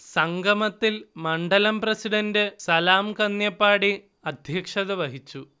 സംഗമത്തിൽ മണ്ഢലം പ്രസിഡന്റ് സലാം കന്ന്യപ്പാടി അദ്ധ്യക്ഷത വഹിച്ചു